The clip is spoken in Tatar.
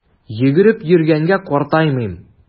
Йөгереп йөргәнгә картаймыйм!